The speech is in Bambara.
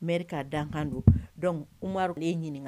Mri'a dankan don dɔnkuru ye ɲininka